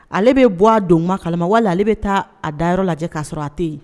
Ale bɛ bɔ a don kala wala ale bɛ taa a dayɔrɔ lajɛ k'a sɔrɔ a tɛ yen